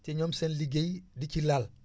te ñoom seen liggéey di ci laal